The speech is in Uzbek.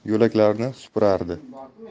turib yo'lkalarni supurardi